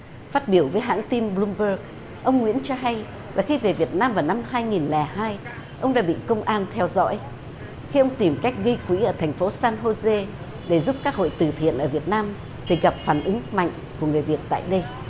phát biểu với hãng tin bờ lum bơ ông nguyễn cho hay là khi về việt nam vào năm hai nghìn lẻ hai ông đã bị công an theo dõi khi ông tìm cách ghi quỹ ở thành phố san ô dê để giúp các hội từ thiện ở việt nam thì gặp phản ứng mạnh của người việt tại đây